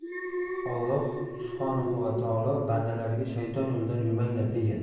olloh subhanahu va taolo bandalariga shayton yo'lidan yurmanglar degan